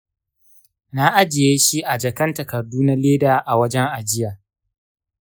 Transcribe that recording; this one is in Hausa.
na ajiye shi a jakan takardu na leda a wajen ajiya.